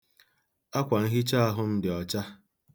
Akwanhichaahụ m dị ọcha.